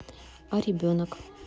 а ребенок